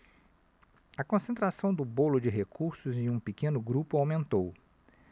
a concentração do bolo de recursos em um pequeno grupo aumentou